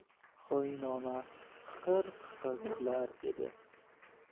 qiqir qiqir kular edi